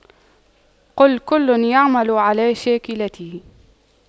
قُل كُلٌّ يَعمَلُ عَلَى شَاكِلَتِهِ